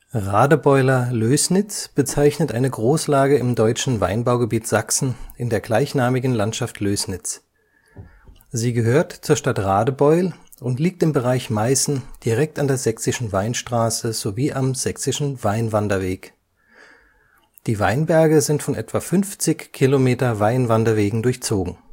Radebeuler Lößnitz bezeichnet eine Großlage im deutschen Weinbaugebiet Sachsen in der gleichnamigen Landschaft Lößnitz. Sie gehört zur Stadt Radebeul und liegt im Bereich Meißen direkt an der Sächsischen Weinstraße sowie am Sächsischen Weinwanderweg. Die Weinberge sind von etwa 50 Kilometer Weinwanderwegen durchzogen